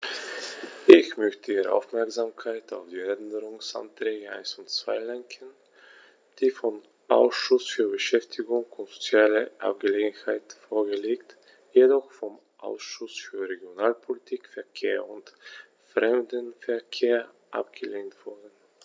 Ich möchte Ihre Aufmerksamkeit auf die Änderungsanträge 1 und 2 lenken, die vom Ausschuss für Beschäftigung und soziale Angelegenheiten vorgelegt, jedoch vom Ausschuss für Regionalpolitik, Verkehr und Fremdenverkehr abgelehnt wurden.